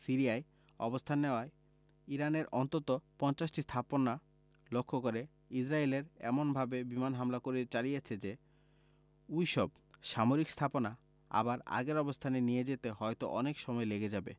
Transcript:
সিরিয়ায় অবস্থান নেওয়ায় ইরানের অন্তত ৫০টি স্থাপনা লক্ষ্য করে ইসরায়েল এমনভাবে বিমান হামলা চালিয়েছে যে ওই সব সামরিক স্থাপনা আবার আগের অবস্থায় নিয়ে যেতে হয়তো অনেক সময় লেগে যাবে